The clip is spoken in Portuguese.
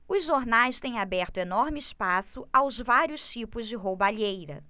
os jornais têm aberto enorme espaço aos vários tipos de roubalheira